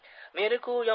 meni ku